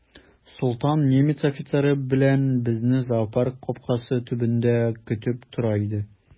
Солтан немец офицеры белән безне зоопарк капкасы төбендә көтеп тора иде.